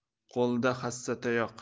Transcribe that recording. qo'lida hassa tayoq